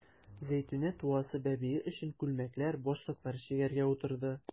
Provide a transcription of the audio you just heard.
Зәйтүнә туасы бәбие өчен күлмәкләр, башлыклар чигәргә утырды.